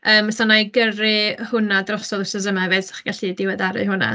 yym so wna i gyrru hwnna drosodd wythnos yma hefyd os 'sa chi'n gallu diweddaru hwnna?